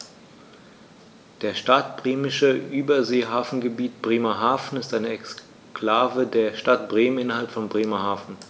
Das Stadtbremische Überseehafengebiet Bremerhaven ist eine Exklave der Stadt Bremen innerhalb von Bremerhaven.